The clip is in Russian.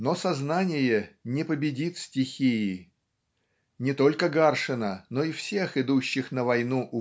Но сознание не победит стихии. Не только Гаршина но и всех идущих на войну